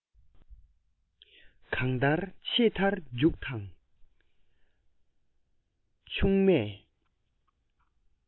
གང ལྟར ཆེས མཐར མཇུག ང དང ཆུང མས